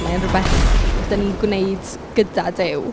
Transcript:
Mae e'n rywbeth dan ni'n gwneud gyda Duw.